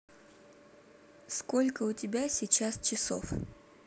сколько у тебя сейчас часов